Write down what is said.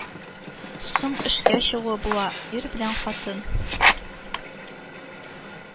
Соң эшкә чыгуы була, ир белән хатын